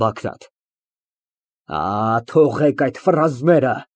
ԲԱԳՐԱՏ ֊ Ա, թողեք այդ ֆրազները։